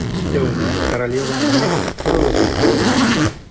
Өстәвенә, королева: «Мине көтеп торыгыз», - дип боерган бит.